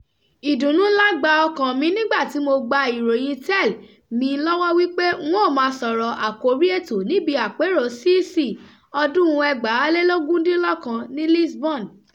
Ìdùnnù ǹlá gba ọkàn-an mi nígbà tí mo gba ìròyìn tẹl mí lọ́wọ́ wípé n ó máa sọ̀rọ̀ àkórí ètò níbi Àpérò CC ọdún-un 2019 ní Lisbon. ...